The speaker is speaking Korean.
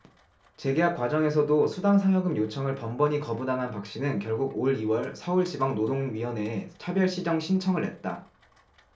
재계약 과정에서도 수당 상여금 요청을 번번이 거부당한 박씨는 결국 올 이 월 서울지방노동위원회에 차별시정 신청을 냈다